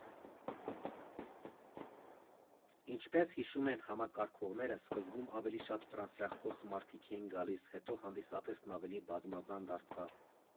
Ինչպես հիշում են համակարգողները, սկզբում ավելի շատ ֆրանսախոս մարդիկ էին գալիս, հետո հանդիսատեսն ավելի բազմազան դարձավ։